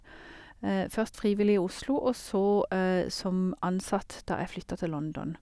Først frivillig i Oslo, og så som ansatt da jeg flytta til London.